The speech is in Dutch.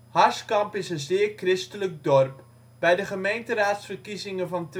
Harskamp is een zeer christelijk dorp: bij de gemeenteraadsverkiezingen van